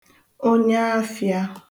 onyaafịà